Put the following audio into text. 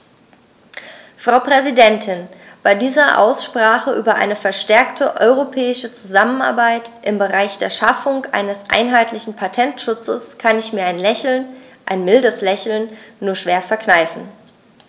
Frau Präsidentin, bei dieser Aussprache über eine verstärkte europäische Zusammenarbeit im Bereich der Schaffung eines einheitlichen Patentschutzes kann ich mir ein Lächeln - ein mildes Lächeln - nur schwer verkneifen.